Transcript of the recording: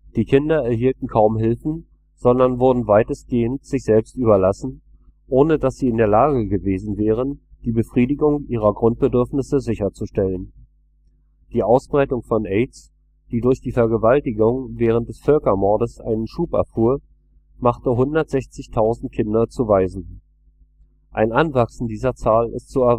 Die Kinder erhielten kaum Hilfen, sondern wurden weitgehend sich selbst überlassen, ohne dass sie in der Lage gewesen wären, die Befriedigung ihrer Grundbedürfnisse sicherzustellen. Die Ausbreitung von AIDS, die durch die Vergewaltigungen während des Völkermords einen Schub erfuhr, machte 160.000 Kinder zu Waisen. Ein Anwachsen dieser Zahl ist zu